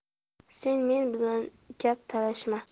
sen men bilan gap talashma